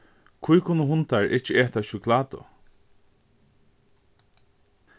hví kunnu hundar ikki eta sjokulátu